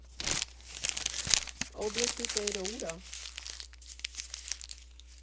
Օբեկտի տերը ու՞ր ա։